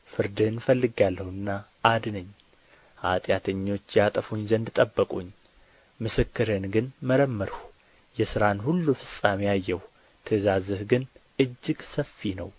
ፍርድህን ፈልጌአልሁና አድነኝ ኃጢአተኞች ያጠፉኝ ዘንድ ጠበቁኝ ምስክርህን ግን መረመርሁ የሥራህን ሁሉ ፍጻሜ አየሁ ትእዛዝህ ግን እጅግ ሰፊ ነው